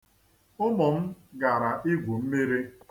Ụmụ m gara igwu mmiri.